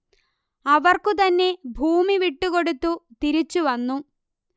അവർക്കു തന്നെ ഭൂമി വിട്ടുകൊടുത്തു തിരിച്ചു വന്നു